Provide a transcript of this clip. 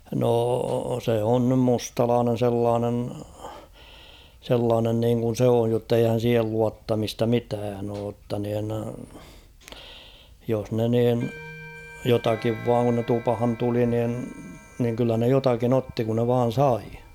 no se on nyt mustalainen sellainen sellainen niin kuin se on jotta eihän siihen luottamista mitään ole jotta niin jos ne niin jotakin vain kun ne tupaan tuli niin niin kyllä ne jotakin otti kun ne vain sai